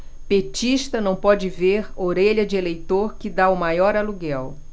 petista não pode ver orelha de eleitor que tá o maior aluguel